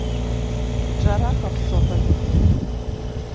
джарахов соболев